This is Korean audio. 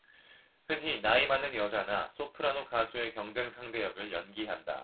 흔히 나이 많은 여자나 소프라노 가수의 경쟁 상대 역을 연기한다